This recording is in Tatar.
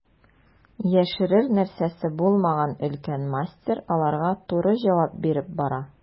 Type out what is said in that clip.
Яшерер нәрсәсе булмаган өлкән мастер аларга туры җавап биреп бара.